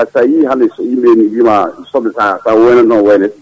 so tawi hande yimɓe mbima soble ma so *